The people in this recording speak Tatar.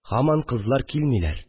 Һаман кызлар килмиләр